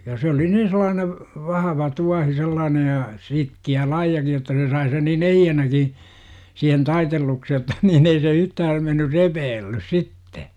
ja se oli niin sellainen vahva tuohi sellainen ja sitkeää lajiakin jotta se sai sen niin ehjänäkin siihen taitelluksi jotta niin ei se yhtään mennyt repeillyt sitten